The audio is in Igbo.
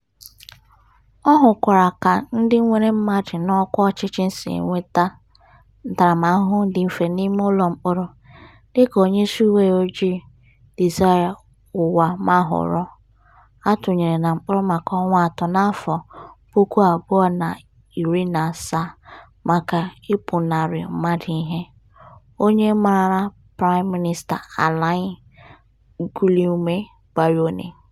Ọ hụkwara ka ndị nwere mmadụ n'ọkwa ọchịchị si enweta ntaramahụhụ dị mfe n'ime ụlọ mkpọrọ, dịka onyeisi uweojii Désiré Uwamahoro — atụnyere na mkpọrọ maka ọnwa atọ na 2017 maka ịpụnara mmadụ ihe- onye maara Prime Minister Alain Guillaume Bunyoni.